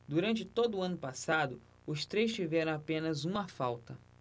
durante todo o ano passado os três tiveram apenas uma falta